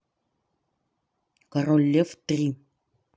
король лев три